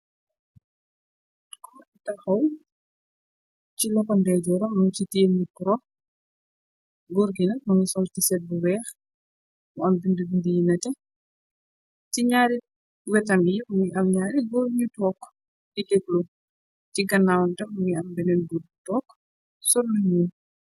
Goor bi taxaw ci loxo nfyejoram mun ci tiye micro goor gi nak mogi sol ti saat bu weex mu am binda binda yu nete ci ñaari wetam nak mogii am ñaari góor nu tog digelu ci gannaawam tam mogi am beneen goor bu tog so lu nuul.